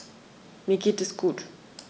Mir geht es gut.